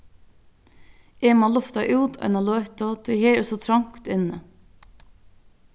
eg má lufta út eina løtu tí her er so trongt inni